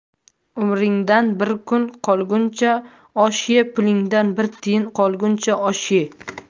umringdan bir kun qolguncha osh ye pulingdan bir tiyin qolguncha osh ye